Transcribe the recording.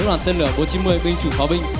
đoàn tên lửa bốn chín mươi binh chủng pháo binh